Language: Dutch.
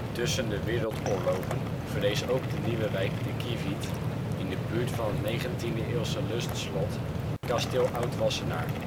Tussen de wereldoorlogen verrees ook de nieuwe wijk De Kieviet in de buurt van het negentiende-eeuwse lustslot Kasteel Oud-Wassenaar